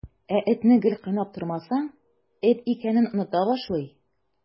Ә этне гел кыйнап тормасаң, эт икәнен оныта башлый.